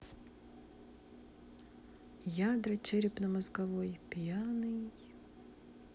ядра черепно мозговой пьяный